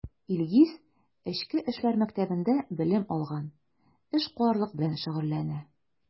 Илгиз Эчке эшләр мәктәбендә белем алган, эшкуарлык белән шөгыльләнә.